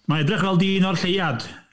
Mae'n edrych fel dyn o'r lleuad.